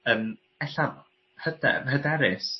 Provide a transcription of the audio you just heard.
yym e'lla hyder yn hyderus